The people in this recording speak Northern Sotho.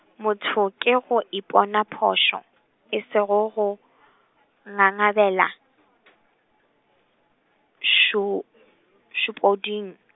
motho ke go ipona phošo , e sego go , ngangabela , šo-, šopoding.